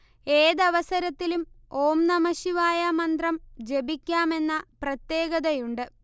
ഏതവസരത്തിലും ഓം നമഃശിവായ മന്ത്രം ജപിക്കാമെന്ന പ്രത്യേകതയുണ്ട്